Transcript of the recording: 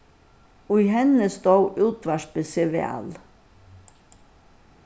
í henni stóð útvarpið seg væl